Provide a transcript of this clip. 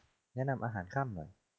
แนะนำอาหารค่ำหน่อย